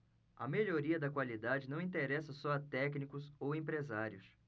a melhoria da qualidade não interessa só a técnicos ou empresários